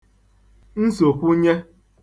nsòkwụnye